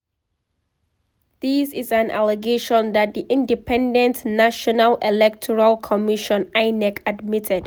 This is an allegation that the Independent National Electoral Commission (INEC) admitted.